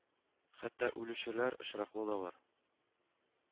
Хәтта үлүчеләр очраклары да бар